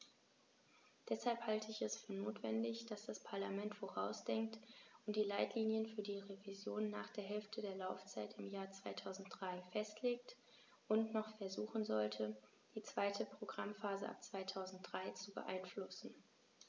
Deshalb halte ich es für notwendig, dass das Parlament vorausdenkt und die Leitlinien für die Revision nach der Hälfte der Laufzeit im Jahr 2003 festlegt und noch versuchen sollte, die zweite Programmphase ab 2003 zu beeinflussen.